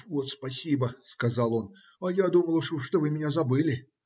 - Вот спасибо, - сказал он: - а я думал уж, что вы меня забыли.